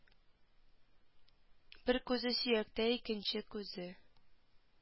Бер күзе сөяктә икенче күзе